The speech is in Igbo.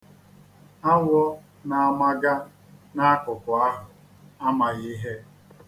Awọ na-amaga n'akụkụ ahụ amaghị ihe.